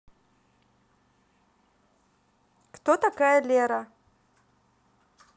кто такая лера